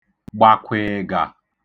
gbàkwị̀ị̀gà